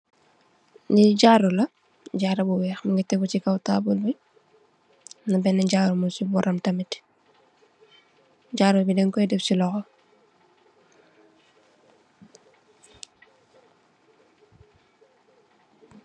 Li jaru la . Jaru bu wheh mugi tegu si kaw taable bi amna benen jaru mung si borom tamit. Jaru bi denj koi def si lowho.